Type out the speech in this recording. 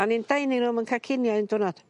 O'n i'n dining room yn ca'l cinio un diwrnod